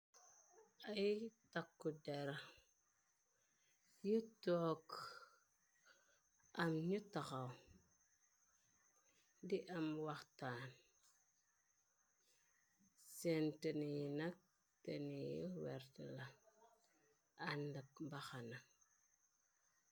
ay takku dera yi took am ñu taxaw di am waxtaan seen teniyi na teniy weert la àndak mbaxana.